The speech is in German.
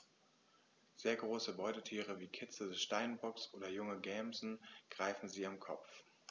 Sehr große Beutetiere wie Kitze des Steinbocks oder junge Gämsen greifen sie am Kopf.